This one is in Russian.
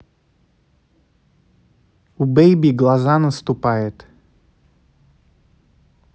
у baby глаза наступает